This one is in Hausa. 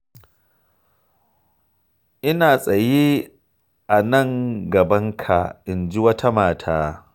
“Ina tsaye a nan a gabanka,” inji wata mata.